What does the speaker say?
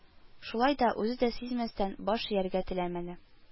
Шулай да, үзе дә сизмәстән, баш ияргә теләмәде